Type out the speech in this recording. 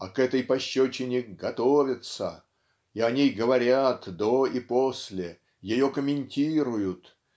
а к этой пощечине готовятся и о ней говорят до и после ее комментируют